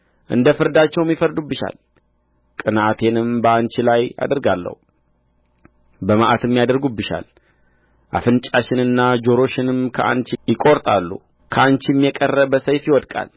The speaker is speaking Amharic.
እንደ ፍርዳቸውም ይፈርዱብሻል ቅንዓቴንም በአንቺ ላይ አደርጋለሁ በመዓትም ያደርጉብሻል አፍንጫሽንና ጆሮሽንም ከአንቺ ይቈርጣሉ ከአንቺም የቀረ በሰይፍ ይወድቃል